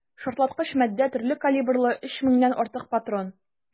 Шартлаткыч матдә, төрле калибрлы 3 меңнән артык патрон.